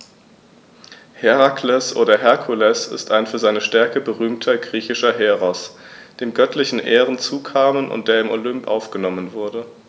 Herakles oder Herkules ist ein für seine Stärke berühmter griechischer Heros, dem göttliche Ehren zukamen und der in den Olymp aufgenommen wurde.